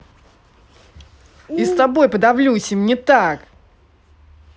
is тобой подавлюсь им не так